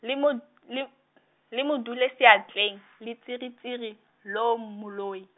le mo d- le, le mo dule seatleng, letsiritsiri, loo moloi.